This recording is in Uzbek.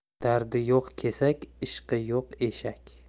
dardi yo'q kesak ishqi yo'q eshak